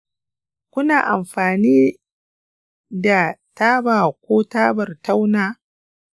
kuna amfani da taba ko tabar tauna?